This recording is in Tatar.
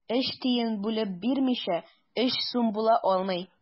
Өч тиен бүлеп бирмичә, өч сум була алмый.